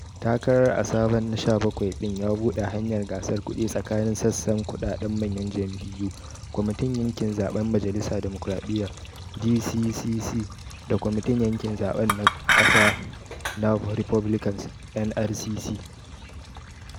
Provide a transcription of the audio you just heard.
Takarar a sabon na 17 ɗin ya buɗe hanyar gasar kuɗi tsakanin sassan kuɗaɗen manyan jam’iyu, Kwamitin Yakin Zaben Majalisa na Damokraɗiya (DCCC) da Kwamitin Yakin Zaben na Kasa na Republicans (NRCC).